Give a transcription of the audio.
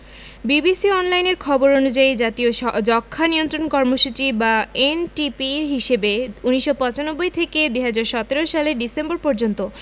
BBC অনলাইনের খবর অনুযায়ী জাতীয় যক্ষ্মা নিয়ন্ত্রণ কর্মসূচি বা এনটিপির হিসেবে ১৯৯৫ থেকে ২০১৭ সালের ডিসেম্বর পর্যন্ত